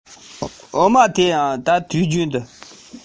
སྐད ཅོར ཡང ཡང བརྒྱབ པ ན